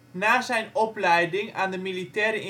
Na zijn opleiding aan de militaire